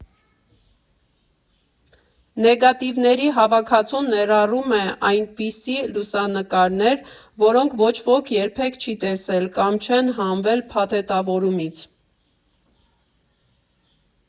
Նեգատիվների հավաքածուն ներառում է այնպիսի լուսանկարներ, որոնք ոչ ոք երբևէ չի տեսել կամ չեն հանվել փաթեթավորումից։